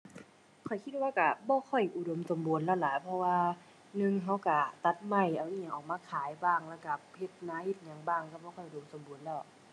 ข้อยคิดว่าก็บ่ค่อยอุดมสมบูรณ์แล้วล่ะ เพราะว่า หนึ่ง ก็ก็ตัดไม้ เอาอิหยังออกมาขายบ้าง แล้วก็เฮ็ดนาเฮ็ดอิหยังบ้าง ก็บ่ค่อยอุดมสมบูรณ์แล้ว